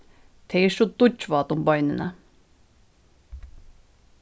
tey eru so dýggjvát um beinini